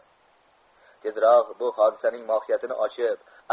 tezroq bu hodisaning mohiyatini ochib